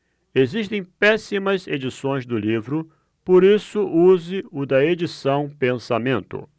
existem péssimas edições do livro por isso use o da edição pensamento